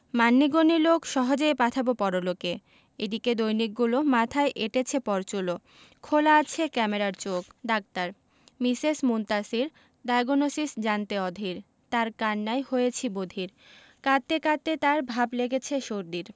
মান্যিগন্যি লোক সহজেই পাঠাবো পরলোকে এদিকে দৈনিকগুলো মাথায় এঁটেছে পরচুলো খোলা আছে ক্যামেরার চোখ ডাক্তার মিসেস মুনতাসীর ডায়োগনসিস জানতে অধীর তার কান্নায় হয়েছি বধির কাঁদতে কাঁদতে তার ভাব লেগেছে সর্দির